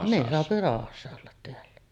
ne saa rauhassa olla täällä